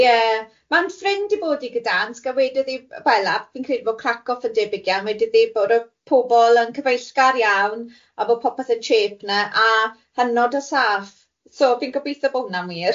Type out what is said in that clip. Ie ma'n ffrind i bod i Gydansk a wedodd hi fela fi'n credu bod Cracow yn debyg iawn, wedodd hi bod y pobl yn cyfeillgar iawn a bod popeth yn tsiep yna a hynod o saff, so fi'n gobithio bod hwnna'n wir.